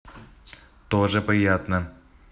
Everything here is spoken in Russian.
тоже приятно